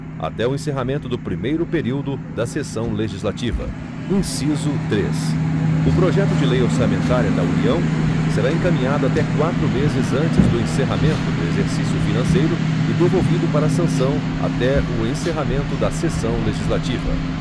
até o encerramento do primeiro período da sessão legislativa inciso três o projeto de lei orçamentária da união será encaminhado até quatro meses antes do encerramento do exercício financeiro e devolvido para sanção até o encerramento da sessão legislativa